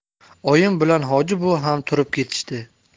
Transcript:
oyim bilan hoji buvi ham turib ketishdi